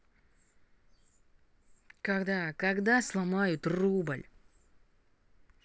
когда когда сломают рубль